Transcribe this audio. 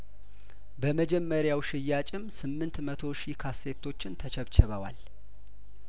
በመጀመሪያው ሽያጭም ስምንት መቶ ሺ ካሴቶችን ተቸብችበዋል